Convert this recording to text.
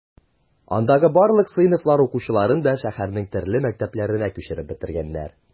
Андагы барлык сыйныфлар укучыларын да шәһәрнең төрле мәктәпләренә күчереп бетергәннәр.